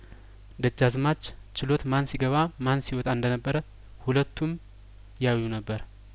ደጃዝማች ችሎት ማን ሲገባ ማን ሲወጣ እንደነበረ ሁለቱምያዩ ነበር